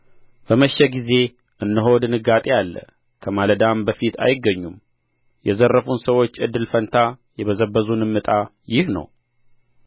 በመሸ ጊዜ እነሆ ድንጋጤ አለ ከማለዳም በፊት አይገኙም የዘረፉን ሰዎች እድል ፈንታ የበዘበዙን ዕጣ ይህ ነው